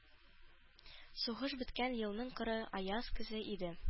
Сугыш беткән елның коры, аяз көзе иде.